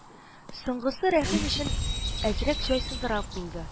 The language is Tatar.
Соңгысы Рәхим өчен әзрәк җайсызрак булды